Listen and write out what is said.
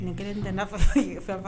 Kelen tɛ fa ye